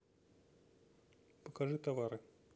покажи товары